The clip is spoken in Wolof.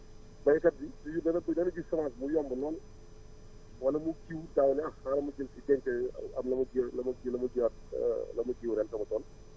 béykat bi du yu dana gis semence bi mu yomb lool wala mu jiw tàyyi ne ah xaaral ma jël si denc am la ma ji la ma ji la ma jiyaat la ma jiw ren sama tool